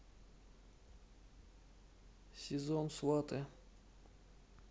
сезон сваты